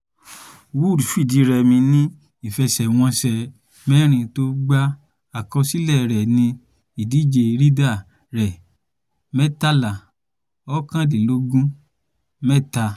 Woods fìdírẹmi ní ìfẹsẹ̀wọnsẹ̀ mẹ́rin tó gbá. Àkọsílẹ̀ rẹ̀ ní ìdíje Ryder rèé: 13-21-3.